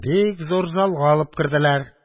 Бик зур залга алып керделәр.